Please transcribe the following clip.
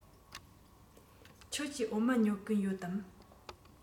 ཁྱོད ཀྱིས འོ མ ཉོ གི ཡོད དམ